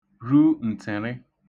ru ǹtị̀rị